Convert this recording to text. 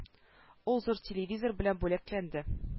Ул зур телевизор белән бүләкләнде